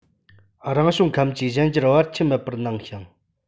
རང བྱུང ཁམས ཀྱིས གཞན འགྱུར བར ཆད མེད པར གནང ཞིང